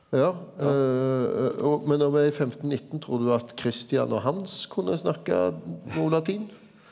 ja og men når me er i 1519 trur du at Christian og Hans kunne snakka på latin?